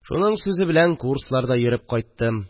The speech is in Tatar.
Шуның сүзе белән курсларда йөреп кайттым